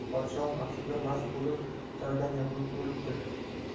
podshoh axsida mast bo'lib jardan yiqilib o'libdir